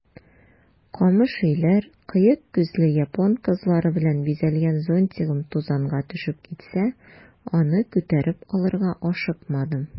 Камыш өйләр, кыек күзле япон кызлары белән бизәлгән зонтигым тузанга төшеп китсә, аны күтәреп алырга ашыкмадым.